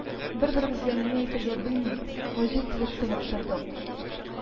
- бер-беребезгә ни әйтергә белми гаҗиз булып, тынып тордык